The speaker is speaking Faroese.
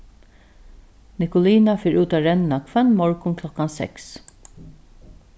nikolina fer út at renna hvønn morgun klokkan seks